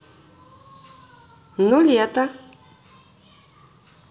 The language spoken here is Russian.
ну лето